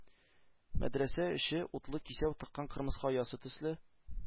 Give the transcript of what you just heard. Мәдрәсә эче, утлы кисәү тыккан кырмыска оясы төсле,